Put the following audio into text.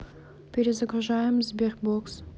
перезагружаем sberbox